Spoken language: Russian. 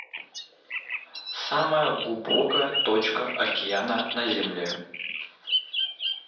самая глубокая точка океана на земле